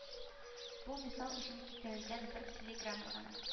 Бу мисал өчен китерелгән бер телеграмма гына